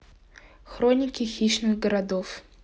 хроники хищных городов